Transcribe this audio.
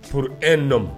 Furu e nɔ